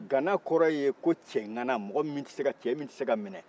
gana kɔrɔ ye cɛ ŋana cɛ min tɛ se ka minɛ